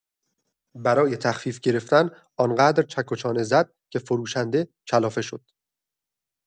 برای تخفیف گرفتن آن‌قدر چک و چانه زد که فروشنده کلافه شد.